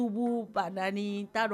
Tuurubu ban'a dɔn